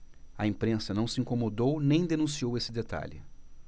a imprensa não se incomodou nem denunciou esse detalhe